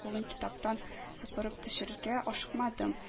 Кулын китаптан сыпырып төшерергә ашыкмадым